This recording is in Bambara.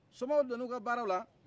somaw donn'uka baaraw la